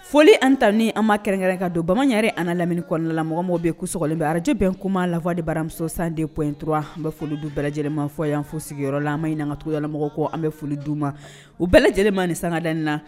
Foli an ta ni an ma kɛrɛn ka don baman yɛrɛ an la lamini kɔnɔnala mɔgɔmɔgɔ bɛ kusɔ in bɛ arajbɛn kuma lafa de bara san dep intura an bɛ foli dun bɛɛ lajɛlenmafɔ' an fo sigiyɔrɔ la ma in na kacogoylamɔgɔ kɔ an bɛ foli di'u ma u bɛɛ lajɛlen ma nin sangada in na